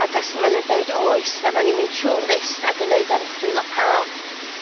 Ag os ma' nw'n deud oes fyddan ni'n mynd trw list ag yn neud ymchwil a pa